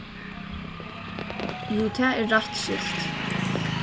jú tað er rætt skilt